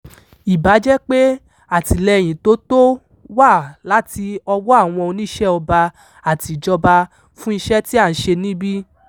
Ìbájẹ́pé àtìlẹ́yìn tó tó wá láti ọwọ́ àwọn oníṣẹọba àti ìjọba fún iṣẹ́ tí à ń ṣe níbí.